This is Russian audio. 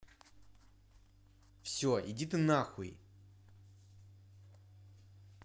все иди ты нахуй